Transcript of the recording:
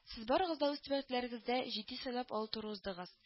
Сез барыгыз да үз төбәкләргездә җитди сайлап алу туры уздыгыз